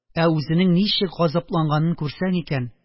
Ә үзенең ничек газапланганын күрсәң икән.